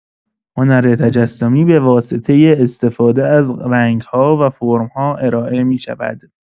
هنر تجسمی به‌واسطه استفاده از رنگ‌ها و فرم‌ها ارائه می‌شود.